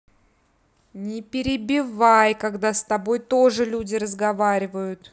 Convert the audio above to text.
не перебивай когда с тобой тоже люди разговаривают